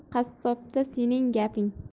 qassobda sening gaping